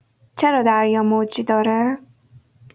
چرا دریا موج داره؟